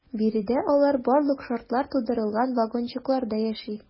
Биредә алар барлык шартлар тудырылган вагончыкларда яши.